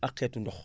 ak xeetu ndox